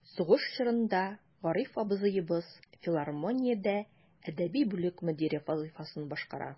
Сугыш чорында Гариф абзыебыз филармониядә әдәби бүлек мөдире вазыйфасын башкара.